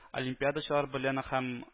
Олимпиадачылар белән һәм